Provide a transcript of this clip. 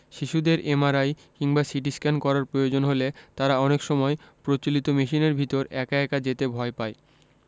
শিশুদের এমআরআই কিংবা সিটিস্ক্যান করার প্রয়োজন হলে তারা অনেক সময় প্রচলিত মেশিনের ভেতর একা একা যেতে ভয় পায়